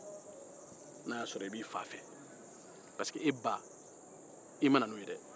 n'a y'a sɔrɔ i b'i fa fɛ pariseke e ma na n'i ba ye